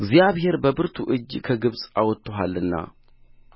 እግዚአብሔር በብርቱ እጅ ከግብፅ አውጥቶሃልና